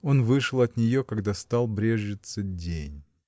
Он вышел от нее, когда стал брезжиться день.